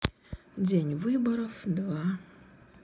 день выборов два